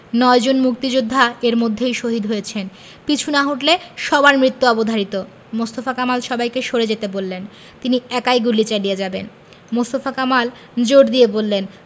নয়জন মুক্তিযোদ্ধা এর মধ্যেই শহিদ হয়েছেন পিছু না হটলে সবার মৃত্যু অবধারিত মোস্তফা কামাল সবাইকে সরে যেতে বললেন তিনি একা গুলি চালিয়ে যাবেন মোস্তফা কামাল জোর দিয়ে বললেন